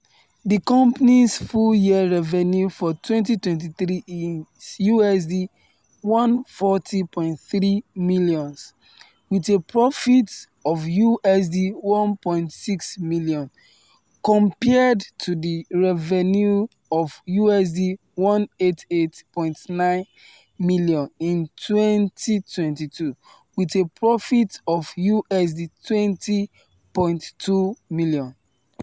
The company’s full-year revenue for 2023 is USD 140.3 million, with a profit of USD 1.6 million, compared to revenue of USD 188.9 million in 2022, with a profit of USD 20.2 million.